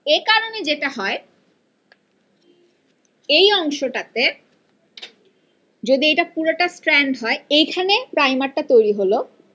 এ কারনে যেটা হয় এই অংশ টাতে যদি এটা পুরাটা স্ট্যান্ড হয় এইখানে প্রাইমার টা তৈরি হয়